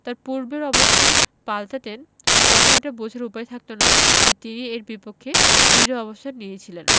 তাঁর পূর্বের অবস্থান পাল্টাতেন তখন এটা বোঝার উপায়ই থাকত না যে তিনি এর বিপক্ষে দৃঢ় অবস্থান নিয়েছিলেন